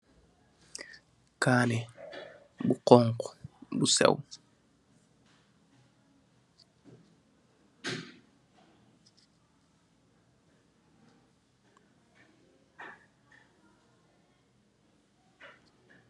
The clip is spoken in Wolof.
Kani bu xonxa bu seew.